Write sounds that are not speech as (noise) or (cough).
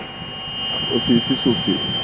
(noise) aussi si suuf si